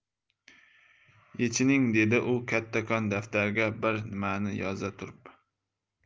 yechining dedi u kattakon daftarga bir nimani yoza turib